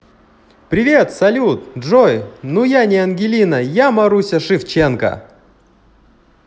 привет салют джой ну я не ангелина я маруся шевченко